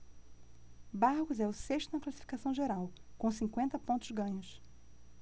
barros é o sexto na classificação geral com cinquenta pontos ganhos